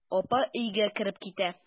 Апа өйгә кереп китә.